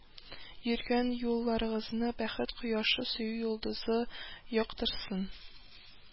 Йөргән юлларыгызны бәхет кояшы, сөю йолдызы яктыртсын